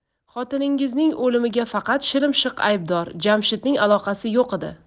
xotiningizning o'limiga faqat shilimshiq aybdor jamshidning aloqasi yo'q edi